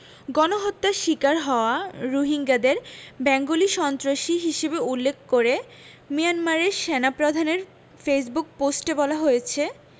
গণহত্যার শিকার হওয়া রোহিঙ্গাদের বেঙ্গলি সন্ত্রাসী হিসেবে উল্লেখ করে মিয়ানমারের সেনাপ্রধানের ফেসবুক পোস্টে বলা হয়েছে